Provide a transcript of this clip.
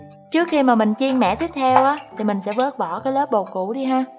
trước khi mà mình chiên mẻ tiếp theo mình sẽ vớt bỏ cái lớp bột cũ đi he